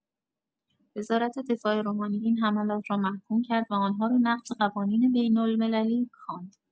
وزارت دفاع رومانی این حملات را محکوم کرد و آنها را نقض قوانین بین‌المللی خواند.